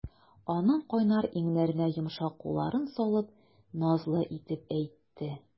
Аның кайнар иңнәренә йомшак кулларын салып, назлы итеп әйтте.